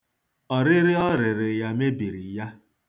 Ọrịrị ọ rịrị ya mebiri ya.